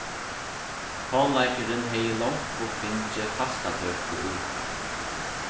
tónleikurin hevði longu fingið fastatøkur í hann